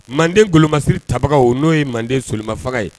Manden golomasiri tabagaw n'o ye manden soloma faga ye